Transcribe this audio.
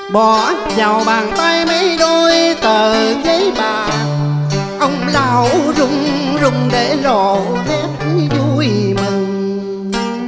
bỏ vào bàn tay mấy đôi tờ giấy bạc ông lão run run để lộ nét vui mừng em